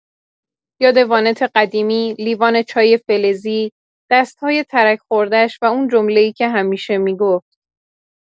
یاد وانت قدیمی، لیوان چای فلزی، دست‌های ترک‌خورده‌ش و اون جمله‌ای که همیشه می‌گفت